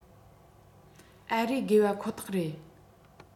ཨ རིའི དགོས པ ཁོ ཐག རེད